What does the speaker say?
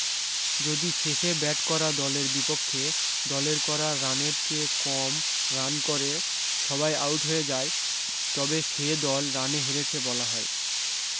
যদি শেষে ব্যাট করা দলের বিপক্ষ দলের করা রানের চেয়ে কম রান করে সবাই আট হয়ে যায় তবে সে দল রানে হেরেছে বলা হয়